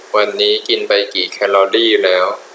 วันนี้กินไปกี่แคลอรี่แล้ว